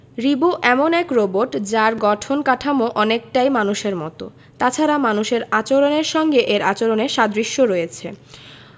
রিবো এমন এক রোবট যার গঠন কাঠামো অনেকটাই মানুষের মতো তাছাড়া মানুষের আচরণের সঙ্গে এর আচরণের সাদৃশ্য রয়েছে